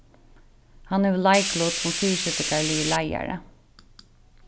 hann hevur leiklut sum fyrisitingarligur leiðari